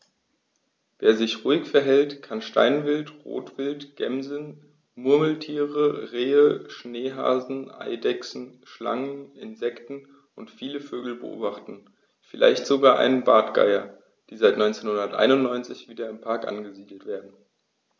Wer sich ruhig verhält, kann Steinwild, Rotwild, Gämsen, Murmeltiere, Rehe, Schneehasen, Eidechsen, Schlangen, Insekten und viele Vögel beobachten, vielleicht sogar einen der Bartgeier, die seit 1991 wieder im Park angesiedelt werden.